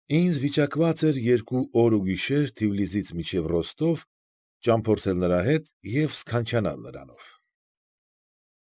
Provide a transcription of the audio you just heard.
Ինձ վիճակված էր երկու օր ու գիշեր Թիֆլիսից մինչև Ռոստով ճամփորդել նրա հետ և սքանչանալ նրանով։